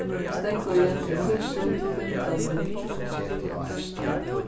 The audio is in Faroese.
steðgurin er tíggju til fimtan minuttir